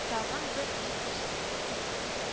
Тагын берҗитешс сезлеге